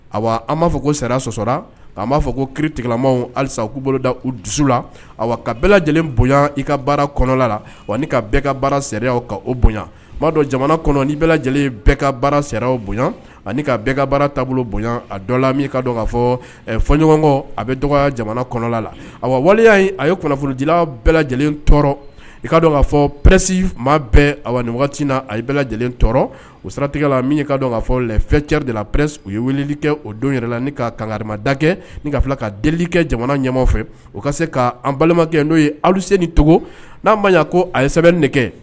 An m'a fɔ ko sariya sɔsɔ' b'a fɔ ko kitigɛlamawsa u bolo da u dusu la a ka bɛɛ lajɛlen bonya i ka baara kɔnɔ la a ka ka baara sɛ ka o bonyayana dɔn jamana ni bɛ lajɛlen bɛɛ ka baara sɛ bonyayan ani ka bɛɛ ka baara taabolo bonya a dɔ la ka ka fɔ fɔ ɲɔgɔnkɔ a bɛ dɔgɔ jamana kɔnɔ la a waleya a ye kunnafonidilaw bɛɛ lajɛlen tɔɔrɔ i kaa kaa fɔ pɛresi maa bɛɛ a waati na a bɛɛ lajɛlen tɔɔrɔ o saratigɛ la min ka ka fɔ lacɛ de la pɛs u ye wuli kɛ o don yɛrɛ la ni ka kangada kɛ ka fila ka delili kɛ jamana ɲɛ fɛ u ka se k'an balimakɛ n'o ye ali senni togo n'a ma ko a ye sɛbɛn nɛgɛ kɛ